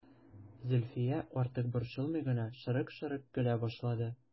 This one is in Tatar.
Зөлфия, артык борчылмый гына, шырык-шырык көлә башлады.